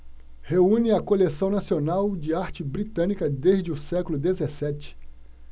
reúne a coleção nacional de arte britânica desde o século dezessete